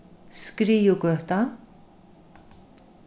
skriðugøta